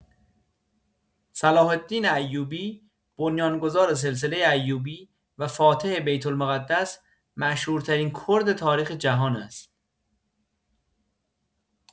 صلاح‌الدین ایوبی، بنیان‌گذار سلسله ایوبی و فاتح بیت‌المقدس، مشهورترین کرد تاریخ جهان است.